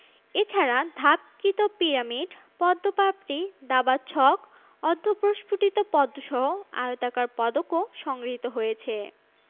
এছাড়া ধাপকৃত পিরামিড পদ্ম পাপড়ি দাবার ছক অর্ধপ্রস্ফুটিতপদ্মসহ আয়তাকার পদকও সংগৃহীত হয়েছে